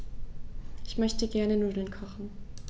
Ich möchte gerne Nudeln kochen.